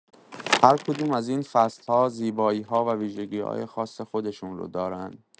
هر کدوم از این فصل‌ها زیبایی‌ها و ویژگی‌های خاص خودشون رو دارن.